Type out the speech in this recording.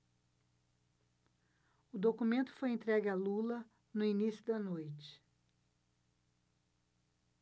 o documento foi entregue a lula no início da noite